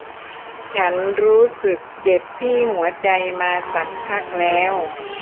ฉันรู้สึกเจ็บที่หัวใจมาสักพักแล้ว